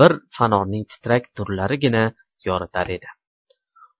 bir fanorning titrak nurlarigina yoritar edi